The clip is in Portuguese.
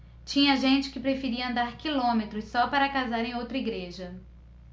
tinha gente que preferia andar quilômetros só para casar em outra igreja